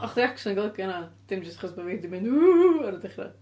O' chdi acshyli yn golygu hynna, dim jyst achos bo' fi 'di mynd "ww" ar y dechrau?